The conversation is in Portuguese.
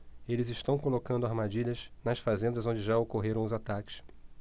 eles estão colocando armadilhas nas fazendas onde já ocorreram os ataques